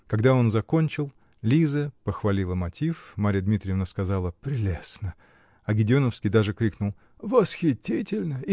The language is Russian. Когда он кончил, Лиза похвалила мотив, Марья Дмитриевна сказала: "Прелестно", а Гедеоновский даже крикнул: "Восхитительно!